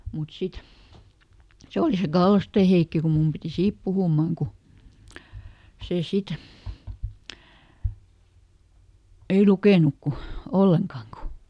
mutta sitten se oli se Kallosten Heikki kun minun piti siitä puhuman kun se sitten ei lukenut kuin ollenkaan kun